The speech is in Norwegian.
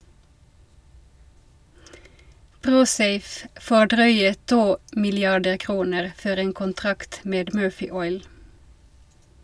"Prosafe" får drøye to milliarder kroner for en kontrakt med "Murphy Oil".